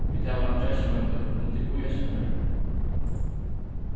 vit hava ein gest beint nú kunnu tit bíða eitt sindur